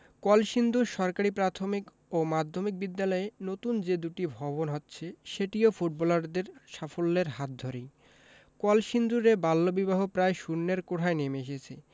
কলসিন্দুর সরকারি প্রাথমিক ও মাধ্যমিক বিদ্যালয়ে নতুন যে দুটি ভবন হচ্ছে সেটিও ফুটবলারদের সাফল্যের হাত ধরেই কলসিন্দুরে বাল্যবিবাহ প্রায় শূন্যের কোঠায় নেমে এসেছে